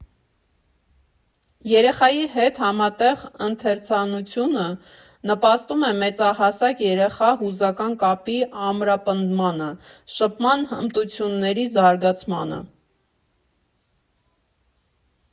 Երեխայի հետ համատեղ ընթերցանությունը նպաստում է մեծահասակ֊երեխա հուզական կապի ամրապնդմանը, շփման հմտությունների զարգացմանը։